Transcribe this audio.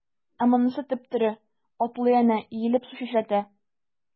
Ә монысы— теп-тере, атлый әнә, иелеп су чәчрәтә.